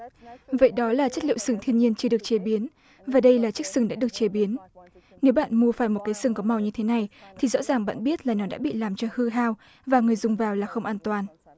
vậy đó là chất liệu sừng thiên nhiên chưa được chế biến và đây là chiếc sừng đã được chế biến nếu bạn mua phải một cái sừng có màu như thế này thì rõ ràng bạn biết là nó đã bị làm cho hư hao và người dùng vào là không an toàn